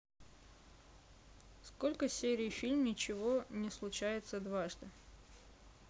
сколько серий фильм ничего не случается дважды